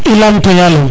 i lam to yalum